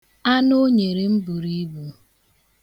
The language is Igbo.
Anụ o nyere m buru ibu.